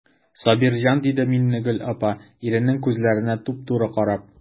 Сабирҗан,– диде Миннегөл апа, иренең күзләренә туп-туры карап.